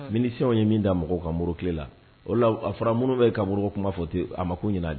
Minisiw ye min da mɔgɔw ka muru tile la o la a fɔra minnu bɛ kaburu kuma fɔ ten a ma ko ɲ